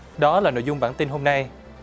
đó là nội dung bản tin hôm nay